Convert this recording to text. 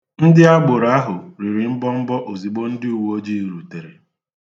Ndị agboro ahụ riri mbọmbọ ozigbo ndị uweojii rutere.